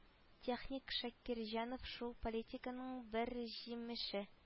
Техник шакирҗанов шул политиканың бер җимеше